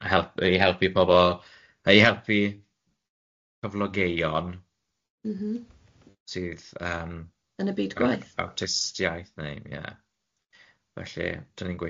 Help- i helpu pobol i helpu cyflogeuon ... mhm... sydd yn... yn y byd gwaith... a awtistiaeth ne' ie felly dy ni'n gweithio ar hwnne